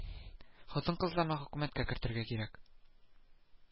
Хатын-кызларны хөкүмәткә кертергә кирәк